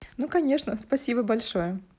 ну конечно спасибо большое